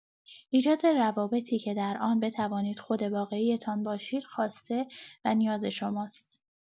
ایجاد روابطی که در آن بتوانید خود واقعی‌تان باشید خواسته و نیاز شماست.